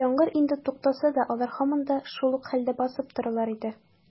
Яңгыр инде туктаса да, алар һаман да шул ук хәлдә басып торалар иде.